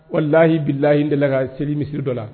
Wala lahi bilayi de la ka se misisiriri dɔ la